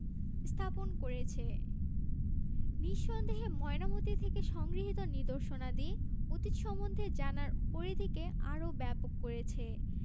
স্থাপন করেছে নিঃসন্দেহে ময়নামতী থেকে সংগৃহীত নিদর্শনাদি অতীত সম্বন্ধে জানার পরিধিকে আরও ব্যাপক করেছে